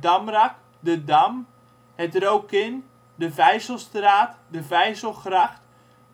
Damrak, de Dam, het Rokin, de Vijzelstraat, de Vijzelgracht,